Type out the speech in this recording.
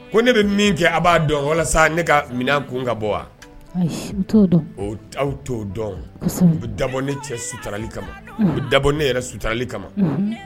Ko ne bɛ min kɛ aw b'a dɔn walasa ne ka minɛn kun ka bɔ wa aw t' dɔn u bɛ dabɔ ne cɛ sutali kama u bɛ dabɔ ne yɛrɛ sutali kama